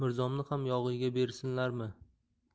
mirzomni ham yog'iyga bersinlarmi